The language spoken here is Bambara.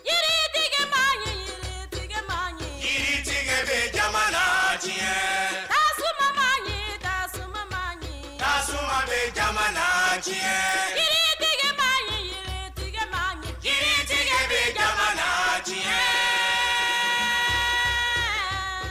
Yiritigiba bɛ yiritigiba ɲi j jɛgɛ bɛ jama jɛgɛ kababa kin kababag jaa bɛ jama diɲɛ jtigiba ye yiritigiba ɲi j jɛgɛ bɛ jama jɛgɛ